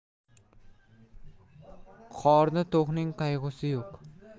qorni to'qning qayg'usi yo'q